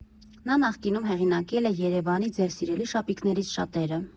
Նա նախկինում հեղինակել է ԵՐԵՎԱՆի՝ ձեր սիրելի շապիկներից շատերը։